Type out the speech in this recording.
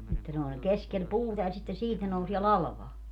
että ne oli keskellä puuta ja sitten siitä ne nousee latvaan